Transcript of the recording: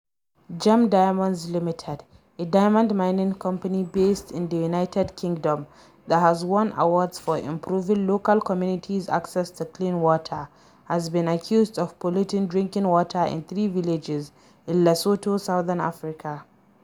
Gem Diamonds Limited, a diamond mining company based in the United Kingdom that has won awards for improving local communities’ access to clean water, has been accused of polluting drinking water in three villages in Lesotho, southern Africa.